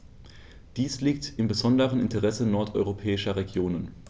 Dies liegt im besonderen Interesse nordeuropäischer Regionen.